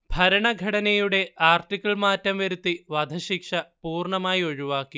ഭരണഘടനയുടെ ആർട്ടിക്കിൾ മാറ്റം വരുത്തി വധശിക്ഷ പൂർണ്ണമായി ഒഴിവാക്കി